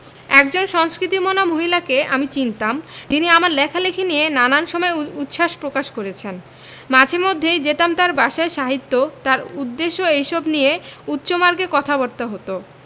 একজন সংস্কৃতি মনা মহিলাকে আমি চিনতাম যিনি আমার লেখালেখি নিয়ে নানান সময় উচ্ছাস প্রকাশ করছেন মাঝে মধ্যেই যেতাম তার বাসায় সাহিত্য তার উদ্দেশ্য এইসব নিয়ে উচ্চমার্গের কথাবার্তা হত